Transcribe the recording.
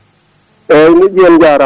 eyyi moƴƴi on jarama